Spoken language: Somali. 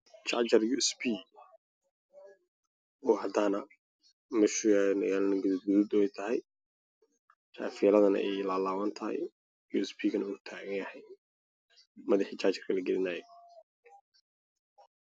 Waa miis orange ah waxaa saarnaa xarig jaajar oo midabkiisu yahay caddaan